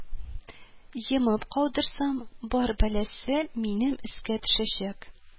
Йомып калдырсам, бар бәласе минем өскә төшәчәк